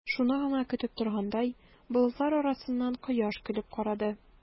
Шуны гына көтеп торгандай, болытлар арасыннан кояш көлеп карады.